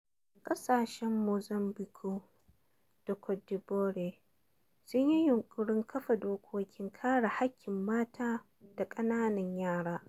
Karanta cigaba: ƙasashen Muzambiƙue da Cote d'Iɓoire sun yi yunƙurin kafa dokokin kare haƙƙin mata da ƙananan yara.